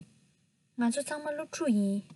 ང ཚོ ཚང མ སློབ ཕྲུག ཡིན